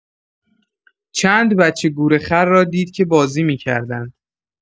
چند بچه گورخر را دید که بازی می‌کردند.